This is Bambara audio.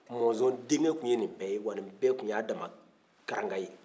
monzon denkɛ tun ye nin bɛɛ ye wa nin bɛɛ tun y'a damana karanka ye